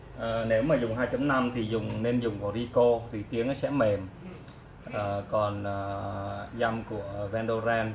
nếu dùng thì nên dùng của rico thì sẽ mềm hơn còn nếu dùng của vandoren thì nó sẽ cứng hơn